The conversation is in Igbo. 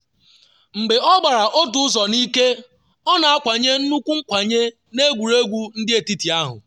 Mgbe ọ gabara otu ụzọ n’ike, ọ na-akwanye nnukwu nkwanye na egwuregwu ndị etiti ahụ.